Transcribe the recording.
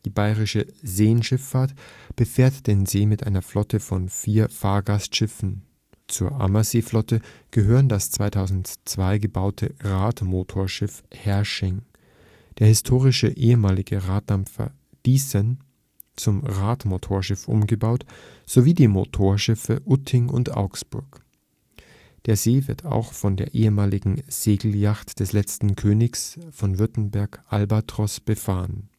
Bayerische Seenschifffahrt befährt den See mit einer Flotte von vier Fahrgastschiffen. Zur Ammerseeflotte gehören das 2002 gebaute Radmotorschiff Herrsching, der historische ehemalige Raddampfer Diessen (zum Radmotorschiff umgebaut) sowie die Motorschiffe Utting und Augsburg. Der See wird auch von der ehemaligen Segelyacht des letzten Königs von Württemberg Albatros befahren